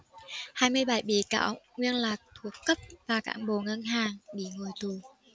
hai mươi bảy bị cáo nguyên là thuộc cấp và cán bộ ngân hàng bị ngồi tù